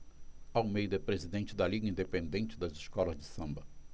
almeida é presidente da liga independente das escolas de samba